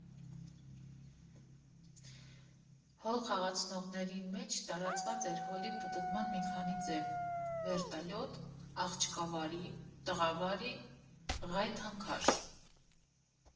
Հոլ խաղացողների մեջ տարածված էր հոլի պտտման մի քանի ձև՝ «վերտալյոտ», «աղջկավարի», «տղավարի», «ղայթանքաշ»։